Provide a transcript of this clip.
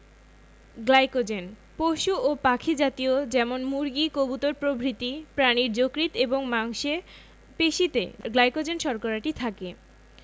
glycogen পশু ও পাখি জাতীয় যেমন মুরগি কবুতর প্রভৃতি প্রাণীর যকৃৎ এবং মাংসে পেশি গ্লাইকোজেন শর্করাটি থাকে